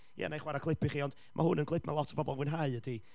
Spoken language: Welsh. Ie, wna i chwarae clip i chi, ond ma' hwn yn clip ma' lot o bobl yn fwynhau ydi,